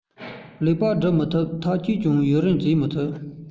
ལེགས པར སྒྲུབ མི ཐུབ ཐག ཆོད ཀྱང ཡུན རིང བྱེད མི ཐུབ